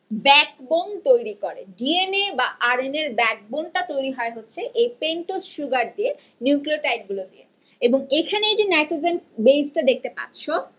backbone তৈরি করে DNA বা আর এন এর ব্যাকবোন টা তৈরি হচ্ছে পেন্টোজ সুগার দিয়ে এখানেই যে নাইট্রোজেন বেস টা দেখতে পাচ্ছ